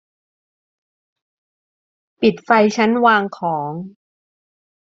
ปิดไฟชั้นวางของ